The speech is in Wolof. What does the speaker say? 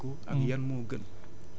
naka lañ koy jëfandikoo